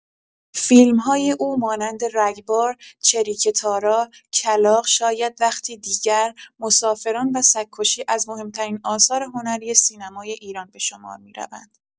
فیلم‌های او مانند رگبار، چریکه تارا، کلاغ، شاید وقتی دیگر، مسافران و سگ‌کشی از مهم‌ترین آثار هنری سینمای ایران به شمار می‌روند.